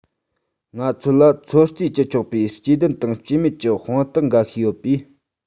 ང ཚོ ལ ཚོད རྩིས བགྱི ཆོག པའི སྐྱེ ལྡན དང སྐྱེ མེད ཀྱི དཔང རྟགས འགའ ཤས ཡོད པས